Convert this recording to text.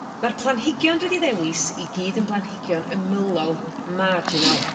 Ma'r planhigion dw' 'di ddewis i gyd yn blanhigion ymylol marginal